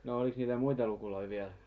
no olikos niitä muita lukuja vielä